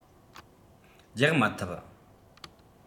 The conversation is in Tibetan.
རྒྱག མི ཐུབ